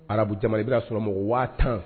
Arabuja i bɛna sɔrɔ mɔgɔw waa tan